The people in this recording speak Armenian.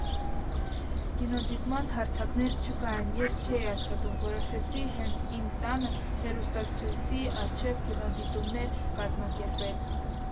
Կինոդիտման հարթակներ չկային, ես չէի աշխատում, որոշեցի հենց իմ տանը՝ հեռուստացույցի առջև կինոդիտումներ կազմակերպել։